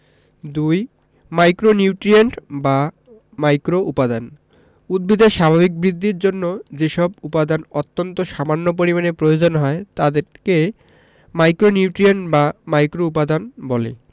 ২ micronutrient বা মাইক্রোউপাদান উদ্ভিদের স্বাভাবিক বৃদ্ধির জন্য যেসব উপাদান অত্যন্ত সামান্য পরিমাণে প্রয়োজন হয় তাদেরকে মাইক্রোনিউট্রিয়েন্ট বা মাইক্রোউপাদান বলে